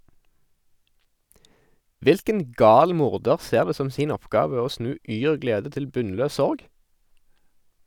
Hvilken gal morder ser det som sin oppgave å snu yr glede til bunnløs sorg?